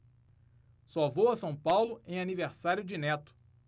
só vou a são paulo em aniversário de neto